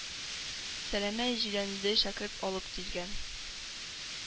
Сәләмә җиләнле шәкерт алып килгән